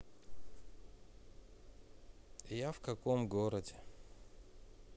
я в каком городе